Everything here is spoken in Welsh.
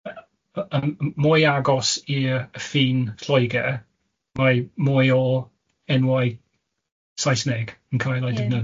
y- y- yym m- mwy agos i'r ffin Lloegr, mae mwy o enwau Saesneg yn cael ei... Ie... defnyddio.